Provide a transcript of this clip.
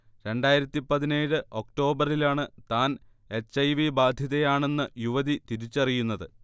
രണ്ടായിരത്തി പതിനേഴ് ഒക്ടോബറിലാണ് താൻ എച്ച്. ഐ. വി ബാധിതയാണെന്ന് യുവതി തിരിച്ചറിയുന്നത്